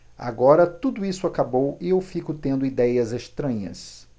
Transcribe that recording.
agora tudo isso acabou e eu fico tendo idéias estranhas